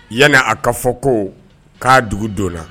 Yanni a ka fɔ ko, k'a dugu dɔnna